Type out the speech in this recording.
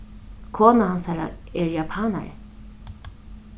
kona hansara er japanari